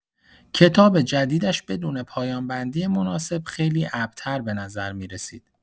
کتاب جدیدش بدون پایان‌بندی مناسب خیلی ابتر به نظر می‌رسید.